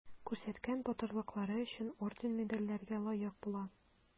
Күрсәткән батырлыклары өчен орден-медальләргә лаек була.